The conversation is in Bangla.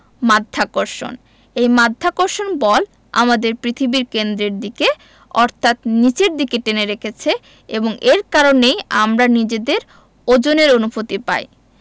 মাধ্যাকর্ষণ এই মাধ্যাকর্ষণ বল আমাদের পৃথিবীর কেন্দ্রের দিকে অর্থাৎ নিচের দিকে টেনে রেখেছে এবং এর কারণেই আমরা নিজেদের ওজনের অনুভূতি পাই